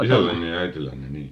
- isällänne ja äidillänne niin